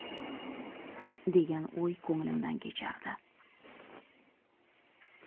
degan o'y ko'nglimdan kechardi